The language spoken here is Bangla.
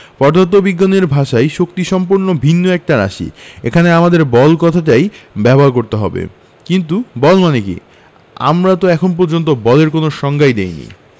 পদার্থবিজ্ঞানের ভাষায় শক্তি সম্পূর্ণ ভিন্ন একটা রাশি এখানে আমাদের বল কথাটাই ব্যবহার করতে হবে কিন্তু বল মানে কী আমরা তো এখন পর্যন্ত বলের কোনো সংজ্ঞা দিইনি